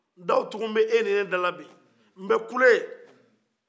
daw tuku bɛ e ni ne da la n bɛ kulen